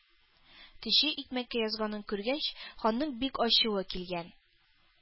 Төче икмәккә язганын күргәч, ханның бик ачуы килгән: